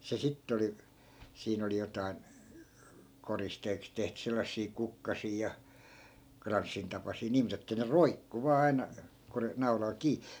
se sitten oli siinä oli jotakin koristeeksi tehty sellaisia kukkasia ja kranssintapaisia niin mutta että ne roikkui vain aina kun ne naulalla kiinni